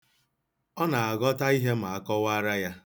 Ọ na-aghọta ihe ma a kọwara ya.